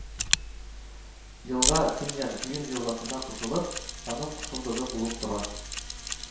Елга Төньяк Двина елгасына кушылып, аның кушылдыгы булып тора